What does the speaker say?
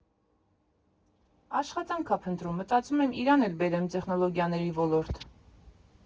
Աշխատանք ա փնտրում, մտածում եմ իրան էլ բերեմ տեխնոլոգիաների ոլորտ։